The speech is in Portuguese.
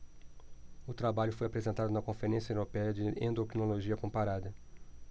o trabalho foi apresentado na conferência européia de endocrinologia comparada